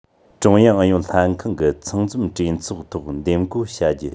ཀྲུང དབྱང ཨུ ཡོན ལྷན ཁང གི ཚང འཛོམས གྲོས ཚོགས ཐོག འདེམས བསྐོ བྱ རྒྱུ